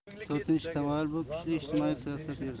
to'rtinchi tamoyil bu kuchli ijtimoiy siyosat yuritish